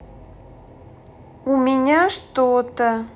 у меня что то